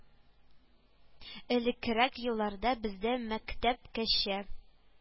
Элеккерәк елларда бездә мәктәпкәчә